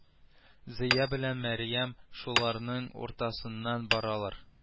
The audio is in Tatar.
Зыя белән мәрьям шуларның уртасыннан баралар